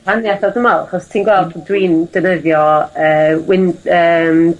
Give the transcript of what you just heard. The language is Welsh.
...gwahanieth tho dwi me'wl achos ti'n gweld dw i'n defnyddio yy Win- yym